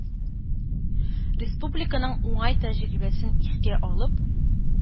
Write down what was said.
– республиканың уңай тәҗрибәсен исәпкә алып,